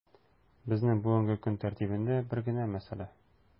Безнең бүгенге көн тәртибендә бер генә мәсьәлә: